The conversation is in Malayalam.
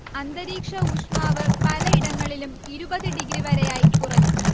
അന്തരീക്ഷഊഷ്മാവ് പലയിടങ്ങളിലും ഇരുപത് ഡിഗ്രി വരെയായി കുറഞ്ഞു